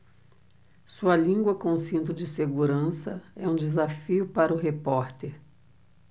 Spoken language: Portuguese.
sua língua com cinto de segurança é um desafio para o repórter